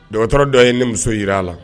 Docteur dɔ ye ne muso yira la.